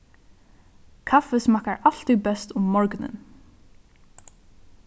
kaffi smakkar altíð best um morgunin